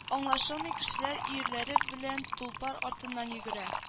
Аңлашылмый кешеләр өерләре белән тулпар артыннан йөгерә